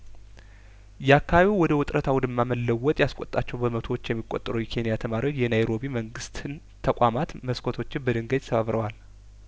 የአካባቢው ወደ ውጥረት አውድማ መለወጥ ያስቆጣቸው በመቶዎች የሚቆጠሩ የኬንያ ተማሪዎች የናይሮቢ መንግስትን ተቋማት መስኮቶችን በድንጋይ ሰባብረዋል